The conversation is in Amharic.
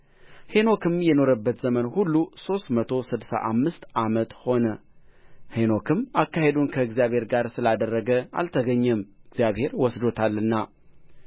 ሄኖክም የኖረበት ዘመን ሁሉ ሦስት መቶ ስድሳ አምስት ዓመት ሆነ ሄኖክም አካሄዱን ከእግዚአብሔር ጋር ስላደረገ አልተገኘም እግዚአብሔር ወስዶታልና